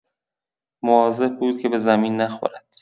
مواظب بود که به زمین نخورد.